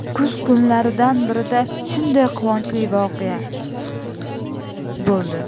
kuz kunlaridan birida shunday quvonchli voqea bo'ldi